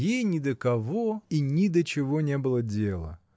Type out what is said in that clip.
Ей ни до кого и ни до чего не было дела.